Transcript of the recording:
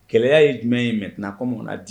Kɛlɛya ye jumɛn in ye maintenant comme on na dit?